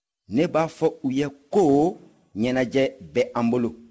ne b'a fɔ u ye ko ɲɛnajɛ bɛ an bolo